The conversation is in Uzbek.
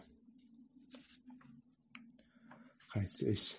qaysi ish